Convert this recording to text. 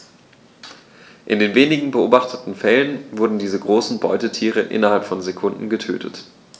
In den wenigen beobachteten Fällen wurden diese großen Beutetiere innerhalb von Sekunden getötet.